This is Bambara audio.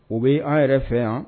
O bɛ an yɛrɛ fɛ yan